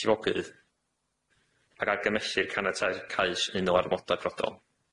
llifogydd, ac argymhellir caniatâd cais unol ag armodau prodol.